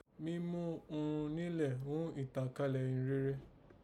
Mí mú irún nílẹ̀ ghún ìtànkálẹ̀ ìhìnrere